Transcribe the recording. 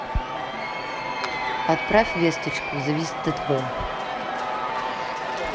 отправь весточку завис тв